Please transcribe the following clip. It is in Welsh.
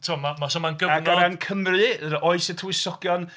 T'bo, mae... mae... so mae'n gyfnod... Ac o ran Cymru, oes y Tywysogion.